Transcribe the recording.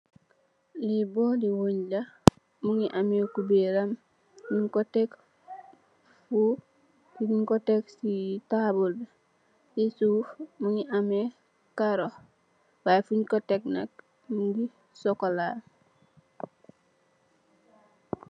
Li bowl li weng la mongi ame kuberam nyun ko tek fu nyun ko tek si tabul bi si suuf mongi ame karo wai fung ko tek nak mongi cxocola.